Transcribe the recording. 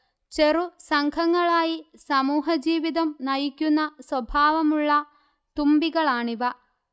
ചെറുസംഘങ്ങളായി സമൂഹജീവിതം നയിക്കുന്ന സ്വഭാവമുള്ള തുമ്പികളാണിവ